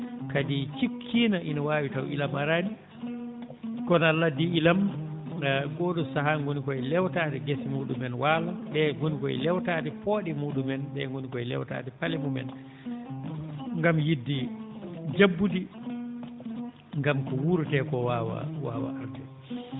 kadi cikkiino ina waawi ilam araani kono Allah addii ilam oo ɗoo sahaa ngoni koye lewtaade gese muɗumen waalo ɓee ngoni koye lewtaade pooɗe muɗumen ɓee ngoni koye lewtaade paale mumen ngam yiɗde jabbude ngam ko wuuratee ko waawa waawa arde